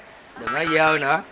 đừng ở dơ nữa